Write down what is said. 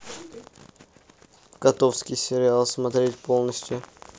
котовский сериал смотреть полностью